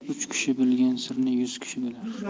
uch kishi bilgan sirni yuz kishi bilar